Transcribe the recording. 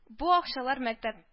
Бу акчалар мәктәп